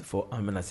Fo an bɛna